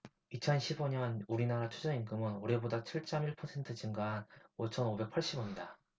이천 십 오 년 우리나라 최저임금은 올해보다 칠 쩜 일 퍼센트 증가한 오천 오백 팔십 원이다